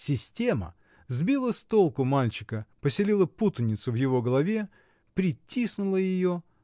"Система" сбила с толку мальчика, поселила путаницу в его голове, притиснула ее